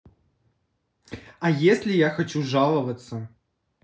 а если я хочу жаловаться